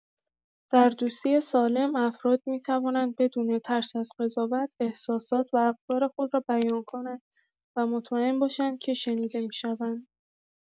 در دوستی سالم، افراد می‌توانند بدون ترس از قضاوت، احساسات و افکار خود را بیان کنند و مطمئن باشند که شنیده می‌شوند.